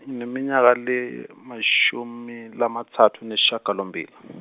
iminyaka lengemashumi lamatsatfu nesishiyagalombili.